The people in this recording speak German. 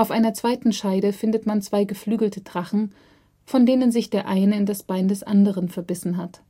einer zweiten Scheide findet man zwei geflügelte Drachen, von denen sich der eine in das Bein des anderen verbissen hat